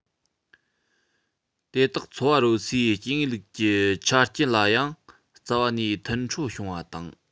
དེ དག འཚོ བ རོལ སའི དངོས ལུགས ཀྱི ཆ རྐྱེན ལ ཡང རྩ བ ནས མཐུན འཕྲོད བྱུང བ དང